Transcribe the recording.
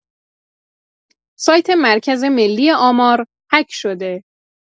سایت مرکز ملی آمار هک شده!